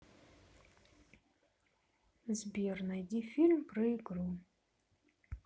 сбер найди фильм про игру